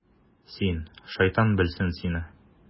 Син, шайтан белсен сине...